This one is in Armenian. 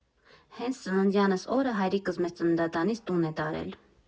Հենց ծննդյանս օրը հայրիկս մեզ ծննդատանից տուն է տարել.